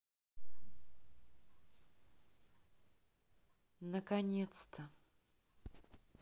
наконец то